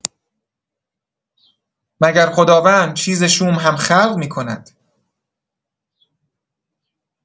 مگر خداوند چیز شوم هم خلق می‌کند؟!